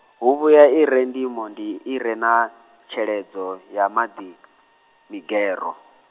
hu vhuya i re ndimo ndi i re na, tsheledzo ya maḓi , migero.